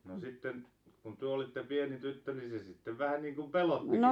no sitten kun te olitte pieni tyttö niin se sitten vähän niin kuin pelotti